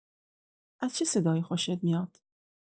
از چه صدایی خوشت میاد؟